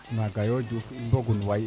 naga yo Diouf in mbogun waay